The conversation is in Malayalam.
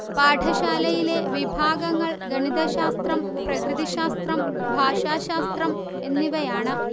പാഠശാലയിലെ വിഭാഗങ്ങൾ ഗണിതശാസ്ത്രം പ്രകൃതിശാസ്ത്രം ഭാഷാശാസ്ത്രം എന്നിവയാണ്